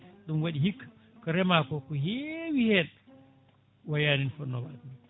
ɗum waɗi hikka ko remako ko heewi hen wayani no fonno waade ni